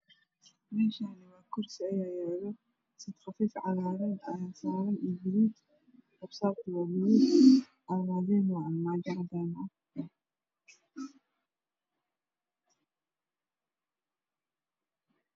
Meeshani kursi ayaa yaalo sad qafiif ayaa saaran iyo garbasaar baluug ah iyo armaajo guduud ah